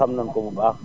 ñun xam nañu ko bu baax